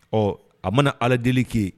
Ɔ a mana ala deli k'e ye